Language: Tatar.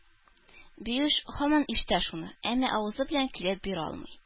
Биюш һаман ишетә шуны, әмма авызы белән көйләп бирә алмый.